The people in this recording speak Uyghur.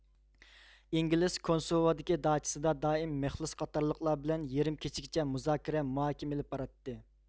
ئىنگىلىس كونسېۋودىكى داچىسىدا دائىم مېخلىس قاتارلىقلار بىلەن يېرىم كېچىگىچە مۇزاكىرە مۇھاكىمە ئېلىپ باراتتى